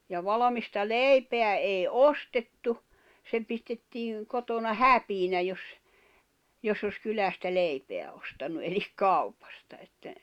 ja valmista leipää ei ostettu se pistettiin kotona häpeänä jos jos olisi kylästä leipää ostanut eli kaupasta että